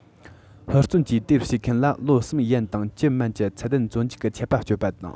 ཧུར བརྩོན གྱིས དེར ཞུགས མཁན ལ ལོ གསུམ ཡན དང བཅུ མན གྱི ཚད ལྡན བཙོན འཇུག གི ཆད པ གཅོད པ དང